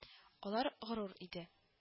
Алар горур иде